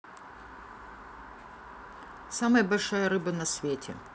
самая большая рыба на свете